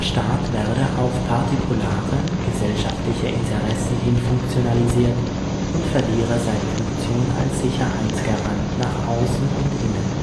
Staat werde auf partikulare, gesellschaftliche Interessen hin funktionalisiert und verliere seine Funktion als Sicherheitsgarant nach außen und innen.